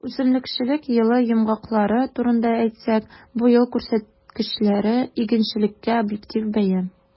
Үсемлекчелек елы йомгаклары турында әйтсәк, бу ел күрсәткечләре - игенчелеккә объектив бәя.